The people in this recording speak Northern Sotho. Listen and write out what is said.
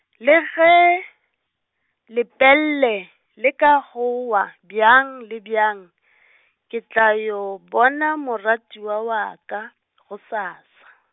le ge, Lepelle le ka goa, bjang le bjang , ke tla yo bona moratiwa wa ka, gosasa.